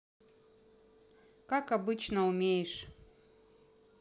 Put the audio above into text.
как обычно умеешь